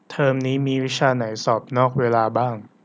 เทอมนี้มีวิชาไหนสอบนอกเวลาบ้าง